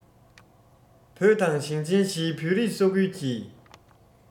བོད དང ཞིང ཆེན བཞིའི བོད རིགས ས ཁུལ གྱི